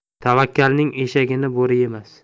tavakkalning eshagini bo'ri yemas